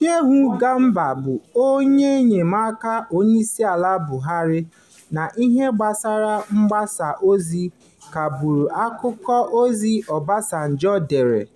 Shehu Garba, bụ onye enyemaka Onyeisiala Buhari n'ihe gbasara mgbasa ozi, kagburu akwụkwọ ozi Obasanjo dere: